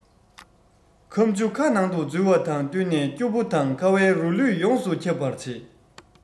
ཁམ ཆུ ཁ ནང འཛུལ བ དང བསྟུན ནས སྐྱུར པོ དང ཁ བའི རོ ལུས ཡོངས སུ ཁྱབ པར བྱེད